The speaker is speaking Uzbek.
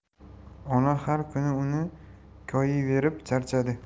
ona har kuni uni koyiyverib charchadi